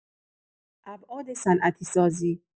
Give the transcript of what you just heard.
ابعاد صنعتی‌سازی